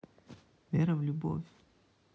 вера в любовь